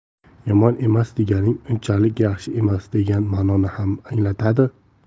yomon emas deganing unchalik yaxshi emas degan manoni ham anglatadi